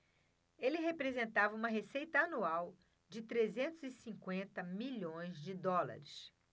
ele representava uma receita anual de trezentos e cinquenta milhões de dólares